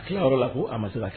Tilayɔrɔ la k ko a ma se kɛ